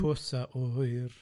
Pws a' o hwyr.